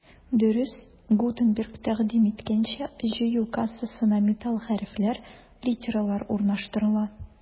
Дөрес, Гутенберг тәкъдим иткәнчә, җыю кассасына металл хәрефләр — литералар урнаштырыла.